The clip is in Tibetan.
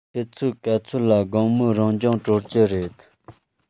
ཆུ ཚོད ག ཚོད ལ དགོང མོའི རང སྦྱོང གྲོལ གྱི རེད